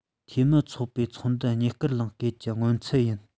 འཐུས མི ཚོགས པས ཚོགས འདུ གཉིས བསྐྱར གླེང སྐབས ཀྱི མངོན ཚུལ ཡོད